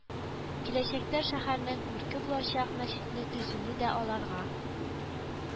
Киләчәктә шәһәрнең күрке булачак мәчетне төзүне дә аларга